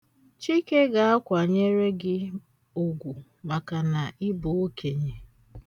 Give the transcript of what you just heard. Chike ga-akwanyere gị ugwu maka na ị bụ okenye.